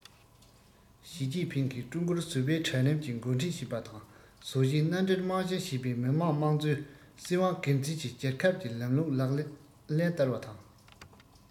ཞིས ཅིན ཕིང གིས ཀྲུང གོར བཟོ པའི གྲལ རིམ གྱིས འགོ ཁྲིད བྱེད པ དང བཟོ ཞིང མནའ འབྲེལ རྨང གཞིར བྱས པའི མི དམངས དམངས གཙོའི སྲིད དབང སྒེར འཛིན གྱི རྒྱལ ཁབ ཀྱི ལམ ལུགས ལག ལེན བསྟར བ དང